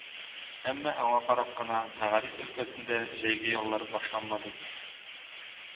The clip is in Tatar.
Әмма аңа карап кына мәгариф өлкәсендә җәйге яллар башланмады